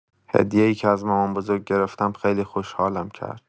هدیه‌ای که از مامان‌بزرگ گرفتم، خیلی خوشحالم کرد.